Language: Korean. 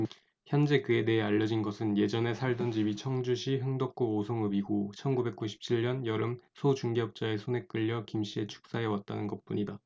현재 그에 대해 알려진 것은 예전에 살던 집이 청주시 흥덕구 오송읍이고 천 구백 구십 칠 년 여름 소 중개업자의 손에 끌려 김씨의 축사에 왔다는 것뿐이다